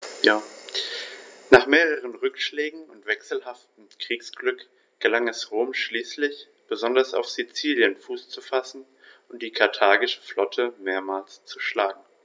Nach mehreren Rückschlägen und wechselhaftem Kriegsglück gelang es Rom schließlich, besonders auf Sizilien Fuß zu fassen und die karthagische Flotte mehrmals zu schlagen.